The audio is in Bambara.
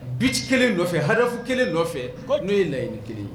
Bi kelen nɔfɛ haf kelen nɔfɛ n'o ye laɲini ni kelen ye